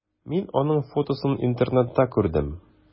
Мин аның фотосын интернетта күрдем.